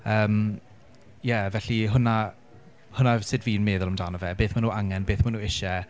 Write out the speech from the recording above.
yym ie felly hwnna hwnna yw sut fi'n meddwl amdano fe. Beth maen nhw angen, beth maen nhw isie.